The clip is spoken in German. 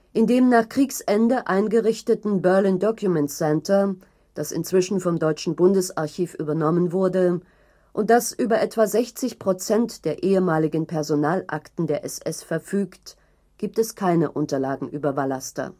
In dem nach Kriegsende eingerichteten Berlin Document Center, das inzwischen vom deutschen Bundesarchiv übernommen wurde und das über etwa 60 Prozent der ehemaligen Personalakten der SS verfügt, gibt es keine Unterlagen über Vallaster